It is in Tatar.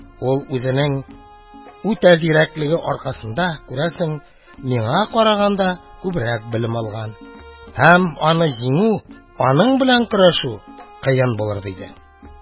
Ул, үзенең үтә зирәклеге аркасында, күрәсең, миңа караганда күбрәк белем алган, һәм аны җиңү, аның белән көрәшү кыен булыр, – диде.